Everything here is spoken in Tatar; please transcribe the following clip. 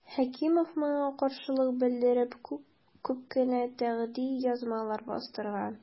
Хәкимов моңа каршылык белдереп күп кенә тәнкыйди язмалар бастырган.